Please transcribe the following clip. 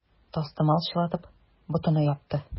Тастымал чылатып, ботына япты.